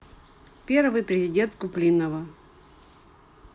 первый президент куплинова